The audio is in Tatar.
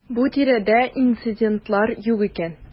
Бу тирәдә индеецлар юк икән.